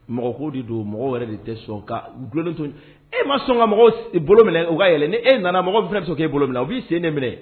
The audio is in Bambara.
Mɔgɔ de don mɔgɔ yɛrɛ de tɛ sɔn ka du e ma sɔn ka minɛ u ka yɛlɛɛlɛn e nana mɔgɔ fana bɛ sɔn' e bolo na a b' sen ne minɛ